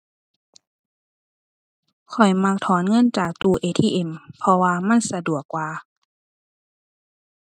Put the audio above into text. ข้อยมักถอนเงินจากตู้ ATM เพราะว่ามันสะดวกกว่า